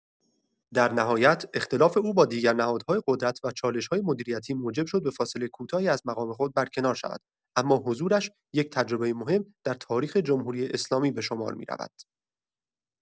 در نهایت اختلاف او با دیگر نهادهای قدرت و چالش‌های مدیریتی موجب شد به فاصله کوتاهی از مقام خود برکنار شود، اما حضورش یک تجربه مهم در تاریخ جمهوری‌اسلامی به شمار می‌رود.